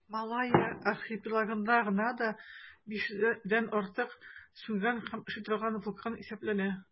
Малайя архипелагында гына да 500 дән артык сүнгән һәм эшли торган вулкан исәпләнә.